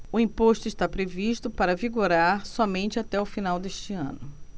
o imposto está previsto para vigorar somente até o final deste ano